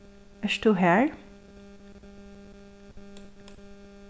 ert tú har